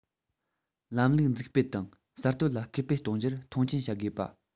ལམ ལུགས འཛུགས སྤེལ དང གསར གཏོད ལ སྐུལ སྤེལ གཏོང རྒྱུར མཐོང ཆེན བྱ དགོས པ